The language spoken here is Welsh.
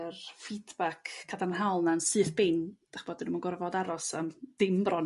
Yr feedback cadarnhaol 'na'n syth bin 'dach ch'bod dim yn gorfod aros am dim bron